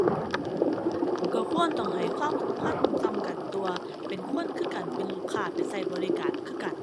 ก็ควรต้องให้ความสำคัญส่ำกันตั่ว เป็นคนคือกัน เป็นลูกค้าไปก็บริการคือกัน